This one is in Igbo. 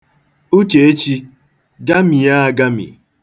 Uchechi, gamie agami.